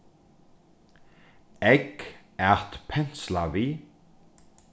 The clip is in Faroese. egg at pensla við